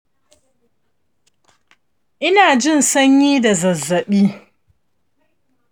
inajin sanyi da zazzafi